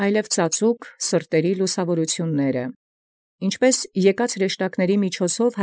Այլ և զծածուկ սրտիցն լուսաւորութիւնս առաջի հրեշտակաց և մարդկան բերէ։